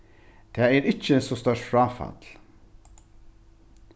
tað er ikki so stórt fráfall